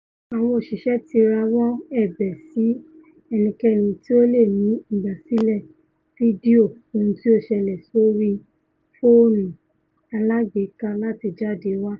Àwọn òṣìṣẹ ti rawọ́ ẹ̀bẹ̀ sí ẹnikẹ́ni tí ó leè ní ìgbàsílẹ̀ fídíò ohun tí ó ṣẹlẹ̀ sórí fóònù aláàgbéká láti jáde wá.